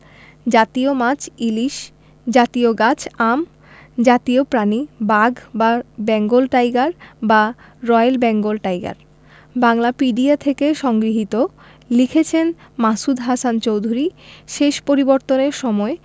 জাতীয় মাছঃ ইলিশ জাতীয় গাছঃ আম জাতীয় প্রাণীঃ বাঘ বা বেঙ্গল টাইগার বা রয়েল বেঙ্গল টাইগার বাংলাপিডিয়া থেকে সংগৃহীত লিখেছেন মাসুদ হাসান চৌধুরী শেষ পরিবর্তনের সময়